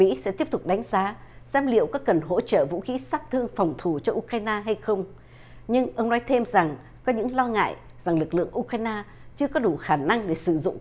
mĩ sẽ tiếp tục đánh giá xem liệu có cần hỗ trợ vũ khí sát thương phòng thủ cho u cai na hay không nhưng ông nói thêm rằng có những lo ngại rằng lực lượng u cai na chưa có đủ khả năng để sử dụng